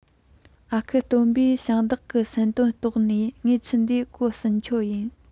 ཨ ཁུ སྟོན པས ཞིང བདག གི བསམ དོན རྟོགས ནས ངའི ཁྱི འདི གོ གསུམ ཆོད ཡིན